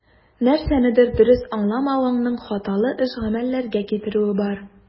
Нәрсәнедер дөрес аңламавыңның хаталы эш-гамәлләргә китерүе бар.